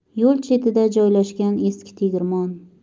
yo'l chetida joyiashgan eski tegirmon